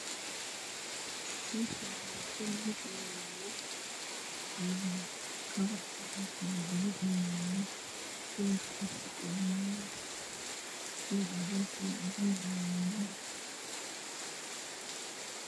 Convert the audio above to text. Meshan waa qol miis ayayalo kobo ayayalo kalarkis madow io cades io cadan ayayalo